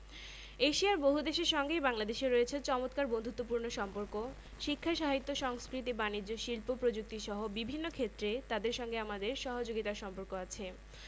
সূর্য থেকে গ্রহগুলো দূরত্ব অনুযায়ী পর পর যেভাবে রয়েছে তা হলো বুধ শুক্র পৃথিবী মঙ্গল বৃহস্পতি শনি ইউরেনাস এবং নেপচুন গ্রহদের মধ্যে সবচেয়ে বড় বৃহস্পতি এবং ছোট বুধ